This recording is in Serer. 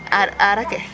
aaraa ke